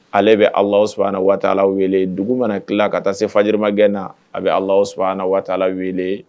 Ale bɛ ala s a waa wele dugu mana tila ka taa se fajima gɛn na a bɛ ala s a waa wele